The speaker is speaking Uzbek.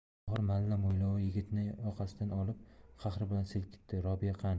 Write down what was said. tohir malla mo'ylovli yigitni yoqasidan olib qahr bilan silkitdi robiya qani